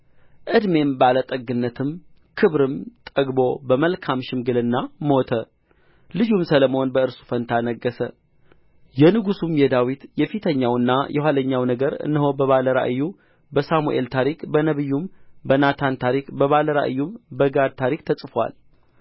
ዕድሜም ባለጠግነትም ክብርም ጠግቦ በመልካም ሽምግልና ሞተ ልጁም ሰሎሞን በእርሱ ፋንታ ነገሠ የንጉሡም የዳዊት የፊተኛውና የኋለኛው ነገር እነሆ በባለ ራእዩ በሳሙኤል ታሪክ በነቢዩም በናታን ታሪክ በባለ ራእዩም በጋድ ታሪክ ተጽፎአል